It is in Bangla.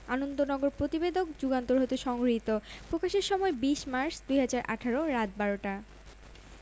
আনন্দনগর প্রতিবেদক যুগান্তর হতে সংগৃহীত প্রকাশের সময় ২০মার্চ ২০১৮ রাত ১২:০০ টা